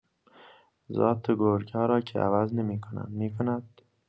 ذات گرگ‌ها را که عوض نمی‌کند، می‌کند؟